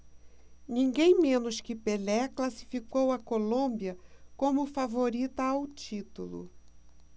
ninguém menos que pelé classificou a colômbia como favorita ao título